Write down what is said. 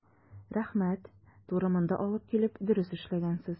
Рәхмәт, туры монда алып килеп дөрес эшләгәнсез.